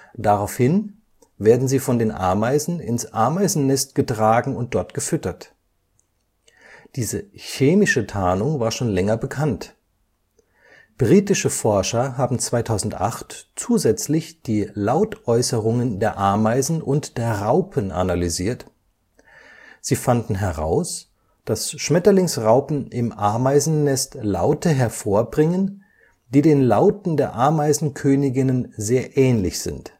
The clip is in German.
Daraufhin werden sie von den Ameisen ins Ameisennest getragen und dort gefüttert. Diese chemische Tarnung war schon länger bekannt, britische Forscher haben 2008 zusätzlich die Lautäußerungen der Ameisen und der Raupen analysiert. Sie fanden heraus, dass Schmetterlingsraupen im Ameisennest Laute hervorbringen, die den Lauten der Ameisen-Königinnen sehr ähnlich sind